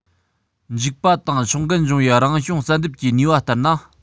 འཇིག པ དང ཕྱོགས འགལ འབྱུང བའི རང བྱུང བསལ འདེམས ཀྱི ནུས པ ལྟར ན